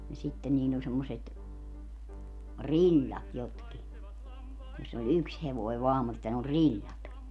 ja sitten niillä oli semmoiset rillat jotkin jossa oli yksi hevonen vain mutta ne oli rillat